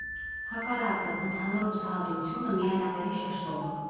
Հակառակը՝ ընդհանուր հուսահատությունը միայն ավելի շեշտող։